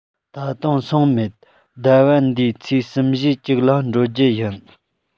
ད དུང སོང མེད ཟླ བ འདིའི ཚེས གསུམ བཞིའི གཅིག ལ འགྲོ རྒྱུུ ཡིན